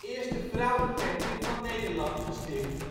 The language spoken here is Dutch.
eerste vrouwencamping van Nederland gesticht